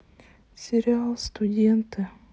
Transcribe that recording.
сериал студенты